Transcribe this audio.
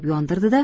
yondirdi da